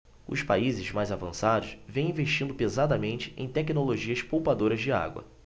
os países mais avançados vêm investindo pesadamente em tecnologias poupadoras de água